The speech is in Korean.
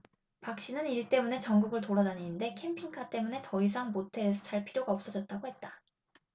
박씨는 일 때문에 전국을 돌아다니는데 캠핑카 때문에 더 이상 모텔에서 잘 필요가 없어졌다고 했다